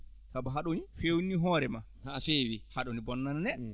sabu haɗo ni fewnani hoore maa haa feewi haɗo ni bonnana neɗɗo anne